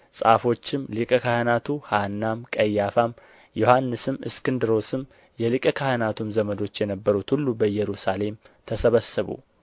ጻፎችም ሊቀ ካህናቱ ሐናም ቀያፋም ዮሐንስም እስክንድሮስም የሊቀ ካህናቱም ዘመዶች የነበሩት ሁሉ በኢየሩሳሌም ተሰበሰቡ